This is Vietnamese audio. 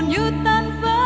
những ước